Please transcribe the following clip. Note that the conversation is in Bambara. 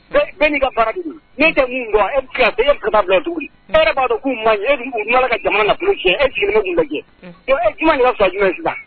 Ka fara min bɔ e e b'a dɔn k'u ma e mana ka jama ka cɛ e jigin e fa jumɛn sisan